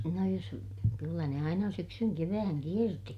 no jos kyllä ne aina syksyn kevään kiersi